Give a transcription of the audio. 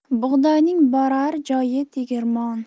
bug'doyning borar joyi tegirmon